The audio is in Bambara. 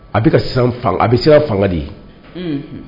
A bɛ ka a bɛ siran fanga de ye